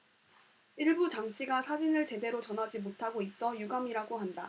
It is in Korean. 일부 장치가 사진을 제대로 전하지 못하고 있어 유감이라고 한다